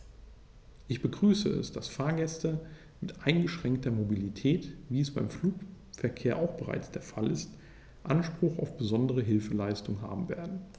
Ich begrüße es, dass Fahrgäste mit eingeschränkter Mobilität, wie es beim Flugverkehr auch bereits der Fall ist, Anspruch auf besondere Hilfeleistung haben werden.